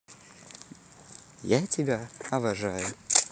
я тебя тоже обожаю